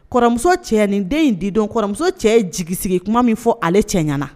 Kɔrɔ cɛ nin den in di dɔn kɔrɔmuso cɛ jigi sigi kuma min fɔ ale cɛ ɲɛnaana